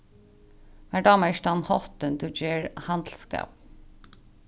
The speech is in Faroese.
mær dámar ikki tann háttin tú ger handilsskap